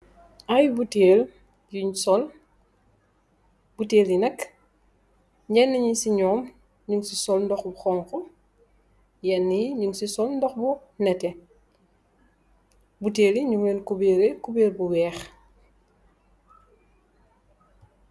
Aye botel youny sol boutel yii nak nyenneh ci nyom nyoung len sol ndock wou konku yenne yi nyoung ci sol ndock wou neteh boutel yi nyounge ammeh couberr wou neteh